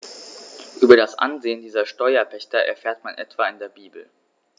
Über das Ansehen dieser Steuerpächter erfährt man etwa in der Bibel.